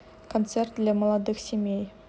концерт для молодых семей